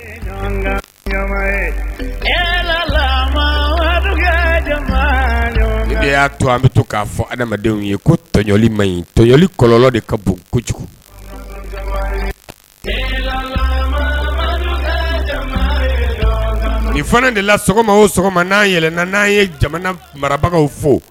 De y'a to an bɛ to k'a fɔ adamadenw ye ko tɔjli ma ɲi tɔli kɔ de ka bon kojugu nin fana de la sɔgɔma o sɔgɔma nan yɛlɛ n ye jamana marabagaw fo